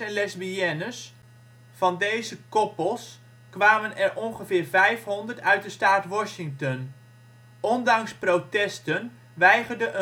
lesbiennes; van deze koppels kwamen er ongeveer 500 uit de staat Washington. Ondanks protesten weigerde